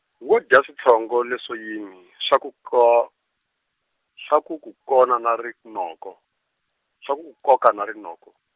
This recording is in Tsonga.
wo dya switshongo leswo yini swa ku ko, swa ku ku kona na rinoko swa ku koka na rinoko?